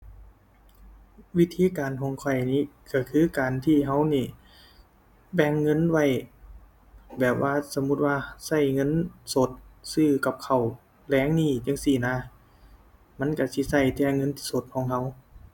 วิธีการของข้อยหนิ ก็คือการที่ก็นี้แบ่งเงินไว้ แบบว่า สมมุติว่าก็เงินสดซื้อกับข้าวแลงนี้จั่งซี้นะ มันก็สิก็แต่เงินสดของก็